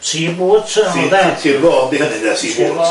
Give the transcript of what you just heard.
sea boots o'dda n'w ynde? Sir Fôn 'di hynny ynde? Sea boots... Sir Fôn 'di hynny.